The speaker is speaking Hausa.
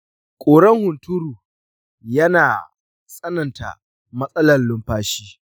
ƙuran hunturu yana tsananta matsalar numfashina.